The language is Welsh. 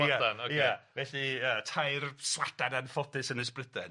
Ia ia felly yy tair swadan anffodus Ynys Brydain.